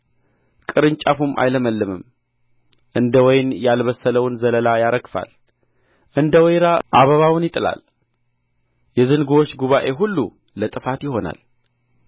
ቅርንጫፉም አይለመልምም እንደ ወይን ያልበሰለውን ዘለላ ያረግፋል እንደ ወይራ አበባውን ይጥላል የዝንጉዎች ጉባኤ ሁሉ ለጥፋት ይሆናል